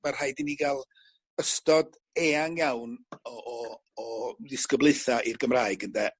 ma' rhaid i ni ga'l ystod eang iawn o o o ddisgyblaetha' i'r Gymraeg ynde